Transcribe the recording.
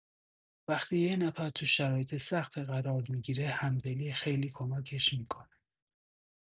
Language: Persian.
وقتی یه نفر تو شرایط سختی قرار می‌گیره، همدلی خیلی کمکش می‌کنه.